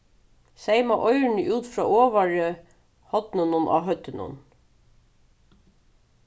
seyma oyrini út frá ovaru hornunum á høvdinum